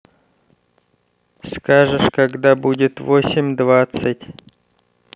скажешь когда будет восемь двадцать